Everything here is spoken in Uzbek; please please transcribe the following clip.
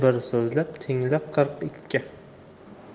bir so'zlab tingla qirq ikki